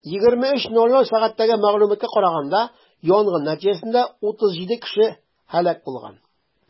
23:00 сәгатьтәге мәгълүматка караганда, янгын нәтиҗәсендә 37 кеше һәлак булган.